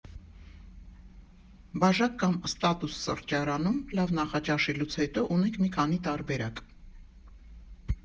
«Բաժակ» կամ «Ստատուս» սրճարանում լավ նախաճաշելուց հետո ունեք մի քանի տարբերակ։